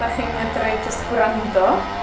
'dach chi'n medru jyst gwrando.